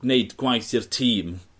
neud gwaith i'r tîm.